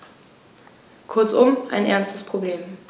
Kurzum, ein ernstes Problem.